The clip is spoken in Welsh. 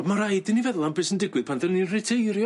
Ond ma' raid i ni feddwl am be' sy'n digwydd pan da ni'n riteirio.